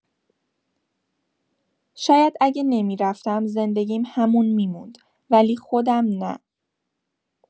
شاید اگه نمی‌رفتم، زندگی‌م همون می‌موند، ولی خودم نه.